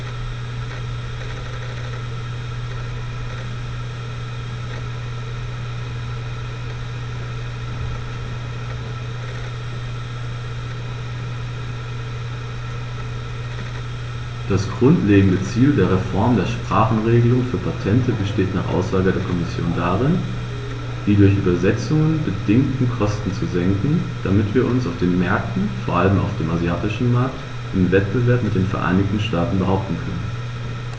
Das grundlegende Ziel der Reform der Sprachenregelung für Patente besteht nach Aussage der Kommission darin, die durch Übersetzungen bedingten Kosten zu senken, damit wir uns auf den Märkten, vor allem auf dem asiatischen Markt, im Wettbewerb mit den Vereinigten Staaten behaupten können.